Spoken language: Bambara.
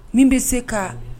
Min bɛ se ka